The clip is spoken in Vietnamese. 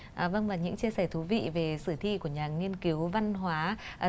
à vâng và những chia sẻ thú vị về sử thi của nhà nghiên cứu văn hóa